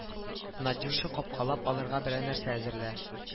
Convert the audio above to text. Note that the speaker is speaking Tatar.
Надюша капкалап алырга берәр нәрсә әзерлә